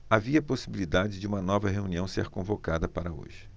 havia possibilidade de uma nova reunião ser convocada para hoje